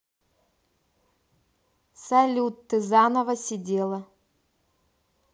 салют ты заново сидела